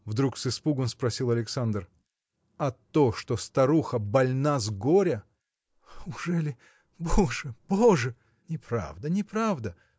– вдруг с испугом спросил Александр. – А то, что старуха больна с горя. – Ужели? Боже! боже! – Неправда! неправда!